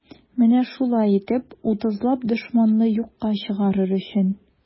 Менә шулай итеп, утызлап дошманны юкка чыгарыр өчен.